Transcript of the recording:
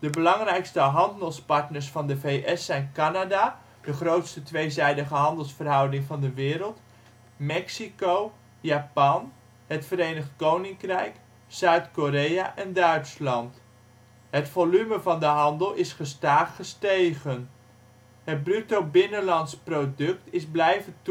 belangrijkste handelspartners van de V.S. zijn Canada (de grootste tweezijdige handelsverhouding van de wereld), Mexico, Japan, het Verenigd Koninkrijk, Zuid-Korea en Duitsland. Het volume van de handel is gestadig gestegen. Het bruto binnenlands product is blijven